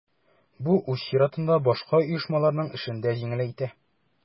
Бу үз чиратында башка оешмаларның эшен дә җиңеләйтә.